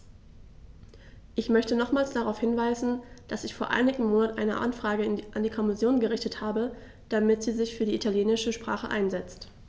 Ich möchte nochmals darauf hinweisen, dass ich vor einigen Monaten eine Anfrage an die Kommission gerichtet habe, damit sie sich für die italienische Sprache einsetzt.